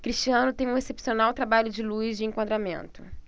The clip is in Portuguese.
cristiano tem um excepcional trabalho de luz e enquadramento